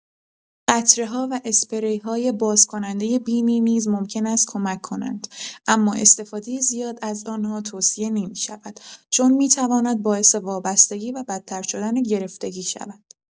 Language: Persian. قطره‌ها و اسپری‌های بازکننده بینی نیز ممکن است کمک کنند، اما استفاده زیاد از آنها توصیه نمی‌شود چون می‌تواند باعث وابستگی و بدتر شدن گرفتگی شود.